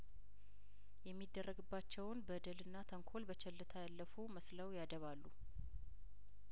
የሚደረግባቸውን በደልና ተንኮል በቸልታ ያለፉ መስለው ያደባሉ